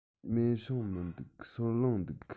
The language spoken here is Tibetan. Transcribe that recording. མེ ཤིང མི འདུག སོལ རླངས འདུག